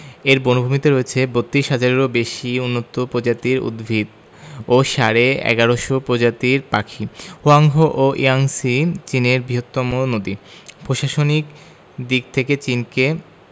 এর বনভূমিতে রয়েছে ৩২ হাজারেরও বেশি উন্নত প্রজাতির উদ্ভিত ও সাড়ে ১১শ প্রজাতির পাখি হোয়াংহো ও ইয়াংসি চীনের বৃহত্তম নদী প্রশাসনিক দিক থেকে চিনকে